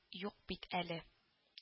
Юк бит әле